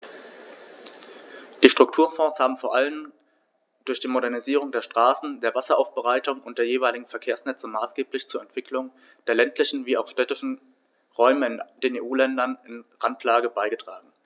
Die Strukturfonds haben vor allem durch die Modernisierung der Straßen, der Wasseraufbereitung und der jeweiligen Verkehrsnetze maßgeblich zur Entwicklung der ländlichen wie auch städtischen Räume in den EU-Ländern in Randlage beigetragen.